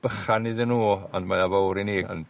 bychan iddyn n'w ond mae o fowr i ni ond